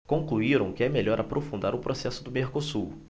concluíram que é melhor aprofundar o processo do mercosul